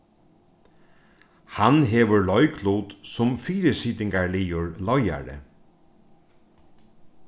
hann hevur leiklut sum fyrisitingarligur leiðari